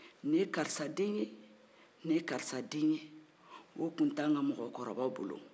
ni ye karisa den ye ni ye karisa den ye o tun tɛ an mɔgɔkɔrɔ baw bolo